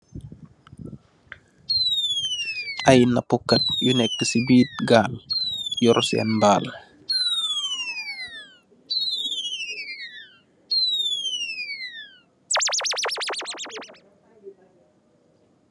Ay napu kat yu nekë si birr gaal, yoree sén mbaal.